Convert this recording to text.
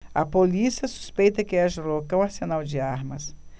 a polícia suspeita que haja no local um arsenal de armas